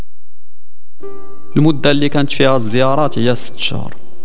المده اللي كانت فيها الزيارات يستشعر